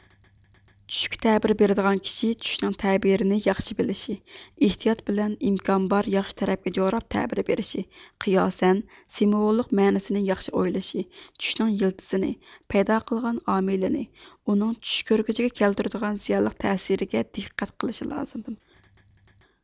چۈشكە تەبىر بېرىدىغان كىشى چۈشنىڭ تەبىرىنى ياخشى بىلىشى ئىھتىيات بىلەن ئىمكان بار ياخشى تەرەپكە جوراپ تەبىر بېرىشى قىياسەن سېموۋوللۇق مەنىسىنى ياخشى ئويلىشى چۈشنىڭ يىلتىزىنى پەيدا قىلغان ئامىلنى ئۇنىڭ چۈش كۆرگۈچىگە كەلتۈرىدىغان زىيانلىق تەسىرىگە دىققەت قىلىشى لازىم